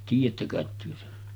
tiedätte kai te sen